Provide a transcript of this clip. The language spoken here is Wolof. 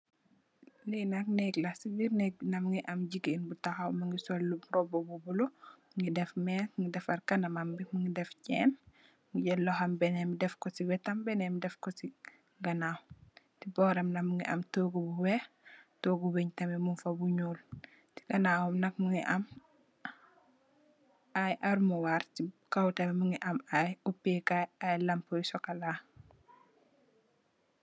Li nak nèeg la, ci biir nèeg bi nak mungi am jigeen bu tahaw mungi sol robbu bi bulo, mungi deff mess, mu defar kanamam bi, mungy deff chenn. Mu jël benen lohom deff ko ci wètam, benen def ko chi ganaaw. Ci boram nak mungi am toogu bu weeh, toogu wënn tamit mung fa bu ñuul. Ci ganaawam nak mungi am ay almuwar, ci kaw tamit mungi am ay upèkaay, ay lamp yu sokola.